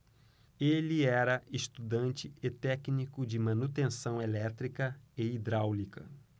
ele era estudante e técnico de manutenção elétrica e hidráulica